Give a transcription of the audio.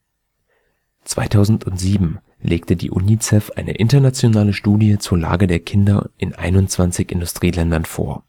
2007 legte die UNICEF eine internationale Studie zur Lage der Kinder in 21 Industrieländern vor